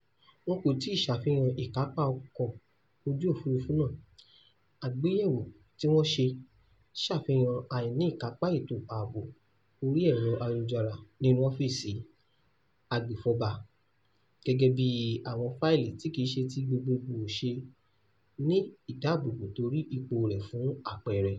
Wọn kò tíì ṣe àfihàn ìkápá ọkọ̀ ojú òfurúfú náà, àgbéyẹ̀wò tí wọ́n ṣe ṣàfihàn àìníkapá ètò aàbò orí ẹ̀rọ̀ ayélujára nínú ọ́fíìsì agbèfúnjọba, gẹ́gẹ́ bí àwọn fáìlì tí kìí ṣe ti gbogboogbo ò ṣe ní ìdábòbò torí ipò rẹ̀ fún apẹẹrẹ.